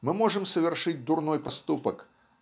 мы можем совершить дурной поступок